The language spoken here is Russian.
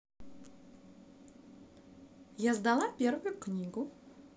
я сдала первую книгу